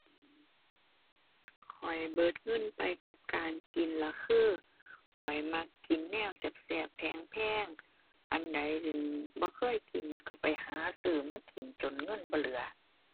ข้อยเบิดเงินไปกับการกิน แล้วคือข้อยมักกินแนวแซ่บแซ่บแพงแพง อันใดถ้าหั้นบ่เคยกินก็ไปหาซื้อมากินจนเงินบ่เหลือ